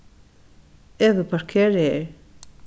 eg vil parkera her